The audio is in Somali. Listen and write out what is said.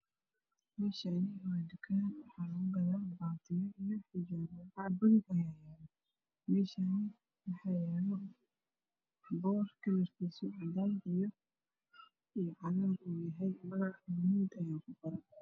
Meeshaani waa tukaan waxaa lagu gadaa baatiyo xijaabo qaar ayaa yaalo waxaa ayaalo boor kalarkisa cagaar iyo cadaan yahay magac buluug ayaa ku qoran